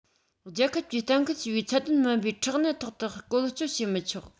རྒྱལ ཁབ ཀྱིས གཏན འཁེལ བྱས པའི ཚད ལྡན མིན པའི ཁྲག ནད ཐོག ཏུ བཀོལ སྤྱོད བྱས མི ཆོག